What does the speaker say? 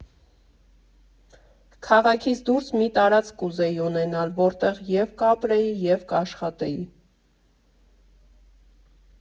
Քաղաքից դուրս մի տարածք կուզեի ունենալ, որտեղ և՛ կապրեի, և՛ կաշխատեի։